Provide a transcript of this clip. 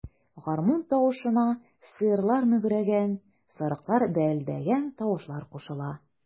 Гармун тавышына сыерлар мөгрәгән, сарыклар бәэлдәгән тавышлар кушыла.